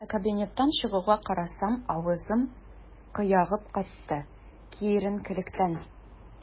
Ә кабинеттан чыгуга, карасам - авызым кыегаеп катты, киеренкелектән.